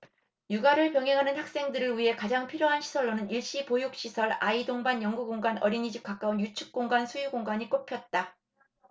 육아를 병행하는 학생들을 위해 가장 필요한 시설로는 일시 보육시설 아이 동반 연구 공간 어린이집 가까운 유축공간 수유공간이 꼽혔다